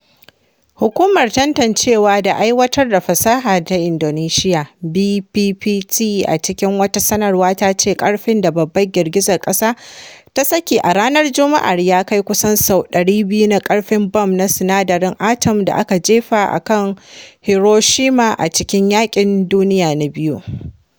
Hukumar tantancewa da Aiwatar da Fasaha ta Indonesiya (BPPT) a cikin wata sanarwa ta ce ƙarfin da babbar girgizar ƙasa ta saki a ranar Juma’ar ya kai kusan sau 200 na ƙarfin bam na sinadarin atom da aka jefa a kan Hiroshima a cikin yaƙin Duniya na Biyu.